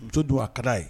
Muso don a kaa ye